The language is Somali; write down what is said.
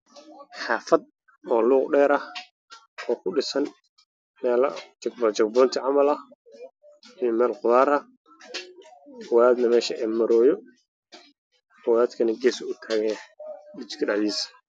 Waa xaafad uu dhex maro wado uu geeska kataagan yahay nin